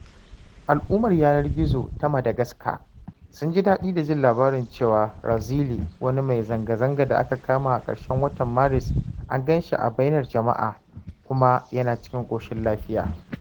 Al’ummar yanar gizo ta Madagascar sun ji daɗi da jin labarin cewa Razily, wani mai zanga-zanga da aka kama a ƙarshen watan Maris, an ganshi a bainar jama’a (fr) kuma yana cikin ƙoshin lafiya.